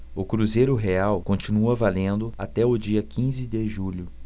o cruzeiro real continua valendo até o dia quinze de julho